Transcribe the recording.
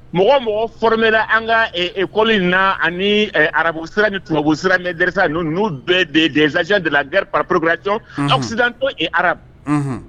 Mɔgɔ mɔgɔ fɔlɔɔrɔ an ka kɔli na ani arabu sira nibu n'u bɛɛ de dɛsɛ jan de la gariɛrɛ papkkuraj abutɔ e arabu